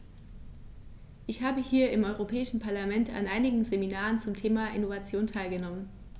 Ich habe hier im Europäischen Parlament an einigen Seminaren zum Thema "Innovation" teilgenommen.